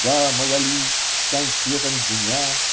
-- "Да, Магали, стань светом дня!